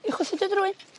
I chwythu dy ddwyn?